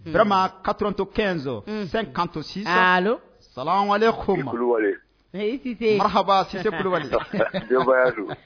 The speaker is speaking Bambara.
Adama katotɔkɛ san kanto sisan saha